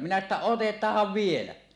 minä että otetaan vielä